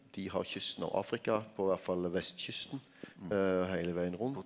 dei har kysten av Afrika på iallfall vestkysten heile vegen rundt.